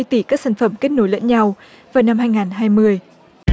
tỷ các sản phẩm kết nối lẫn nhau vào năm hai ngàn hai mươi